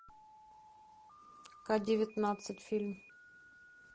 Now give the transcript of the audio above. ка девятнадцать фильм